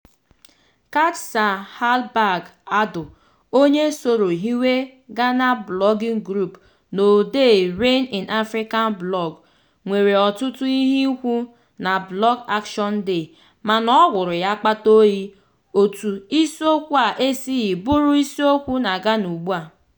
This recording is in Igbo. Kajsa Hallberg Adu, onye soro hiwe Ghana Blogging Group na odee Rain In Africa blog, nwere ọtụtụ ihe ikwu na Blog Action Day, mana ọ wụrụ ya akpata oyi “otú isiokwu a esighị bụrụ isiokwu na Ghana ugbua”.